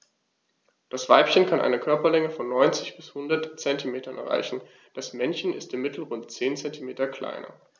Das Weibchen kann eine Körperlänge von 90-100 cm erreichen; das Männchen ist im Mittel rund 10 cm kleiner.